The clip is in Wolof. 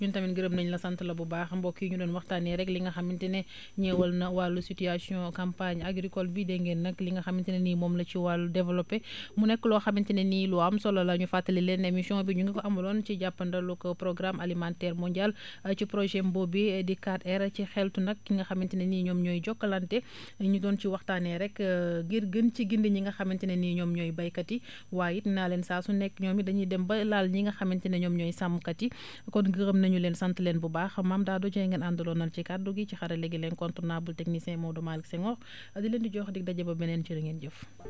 ñun tamit gërëm nañ la sant la bu baax mbokk yi ñu doon waxtaanee rekk li nga xamante ne ñeewal na wàllu situation campagne agricole bi dégg ngeen nga li nga xamante ne ni moom la ci wàllu développer mu nekk loo xamante ne ni lu am solo la ñu fàttali leen émission bi ñu ngi ko amaloon ci jàppandalug programme alimentaire mondial ci projet boobee di 4R ci xeltu nag ki nga xamante ne ni ñoom ñooy Jokalante ñu doon ci waxtaanee rekk gën ci gindi ñi nga xamante ne ni ñoom ñooy baykat yi waaye it naa leen saa su nekk ñoom it dañuy dem ba laal ñi nga xamante ni ñooy sàmmkat yi kon gërëm nañu leen sant leen bu baax Mame Dado Dieng ngeen àndanaloon ci kàddu gi ci xarala gi l' incontournable technicien Maodo Malick Senghor di leen di jox dig daje ba beneen jër a ngeen jëf